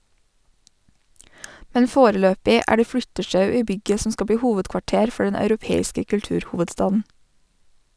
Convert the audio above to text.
Men foreløpig er det flyttesjau i bygget som skal bli hovedkvarter for den europeiske kulturhovedstaden.